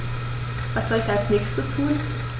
Was soll ich als Nächstes tun?